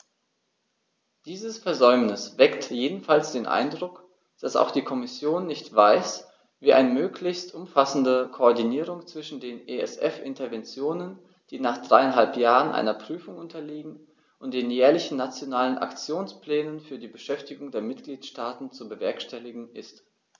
Dieses Versäumnis weckt jedenfalls den Eindruck, dass auch die Kommission nicht weiß, wie eine möglichst umfassende Koordinierung zwischen den ESF-Interventionen, die nach dreieinhalb Jahren einer Prüfung unterliegen, und den jährlichen Nationalen Aktionsplänen für die Beschäftigung der Mitgliedstaaten zu bewerkstelligen ist.